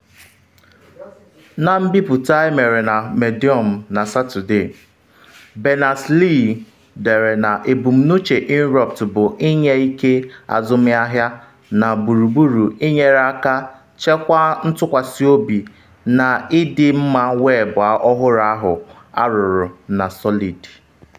Na mbipụta emere na Medium na Satọde, Berners-Lee dere na “ebumnuche Inrupt bụ inye ike azụmahịa na gburugburu inyere aka chekwaa ntụkwasị obi na ịdị mma weebu ọhụrụ ahụ arụrụ na Solid.”